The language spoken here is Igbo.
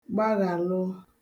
gbaghàlụ